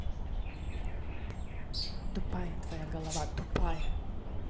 тупая твоя голова тупая